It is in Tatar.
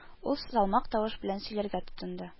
Ул салмак тавыш белән сөйләргә тотынды: